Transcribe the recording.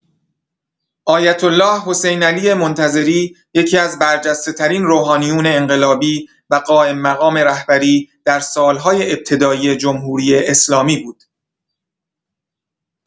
آیت‌الله حسینعلی منتظری یکی‌از برجسته‌ترین روحانیون انقلابی و قائم‌مقام رهبری در سال‌های ابتدایی جمهوری‌اسلامی بود.